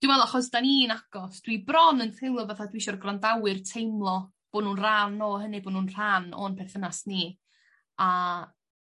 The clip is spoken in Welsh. Dwi me'wl achos 'dan ni'n agos dwi bron yn teimlo fatha dwi isio'r gwrandawyr teimlo bo' nw'n rhan o hynny bo' nw'n rhan o'n perthynas ni a